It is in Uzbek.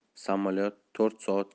samolyot to'rt soat